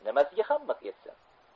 nimasiga ham miq etsin